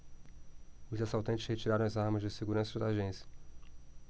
os assaltantes retiraram as armas dos seguranças da agência